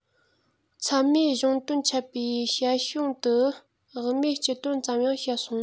ཚད མའི གཞུང དོན འཆད པའི ཞར བྱུང དུ དབུ མའི སྤྱི དོན ཙམ ཡང བཤད སོང